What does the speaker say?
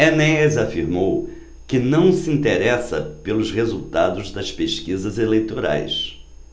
enéas afirmou que não se interessa pelos resultados das pesquisas eleitorais